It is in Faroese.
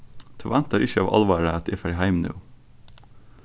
tú væntar ikki av álvara at eg fari heim nú